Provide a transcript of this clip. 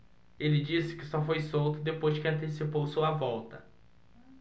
ele disse que só foi solto depois que antecipou sua volta